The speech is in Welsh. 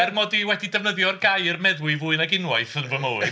Er mod i wedi defnyddio'r gair meddwi fwy nag unwaith yn fy mywyd .